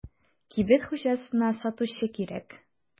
Кибет хуҗасына сатучы кирәк.